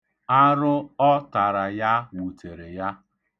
Arụ ọ tara ya wutere ya.